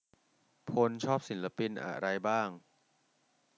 พลชอบศิลปินอะไรบ้าง